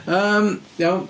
Yym iawn.